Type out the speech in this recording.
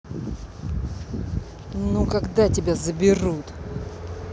ну когда тебя заберут